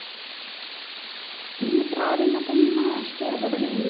ты неправильно понимаешь что я говорю